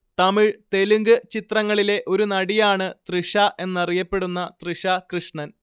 തമിഴ് തെലുങ്ക് ചിത്രങ്ങളിലെ ഒരു നടിയാണ് തൃഷ എന്നറിയപ്പെടുന്ന തൃഷ കൃഷ്ണൻ